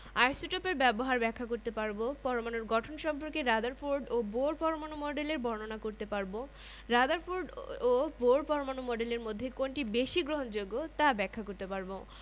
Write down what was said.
পরমাণুর বিভিন্ন কক্ষপথে এবং কক্ষপথের বিভিন্ন উপস্তরে পরমাণুর ইলেকট্রনসমূহকে বিন্যাস করতে পারব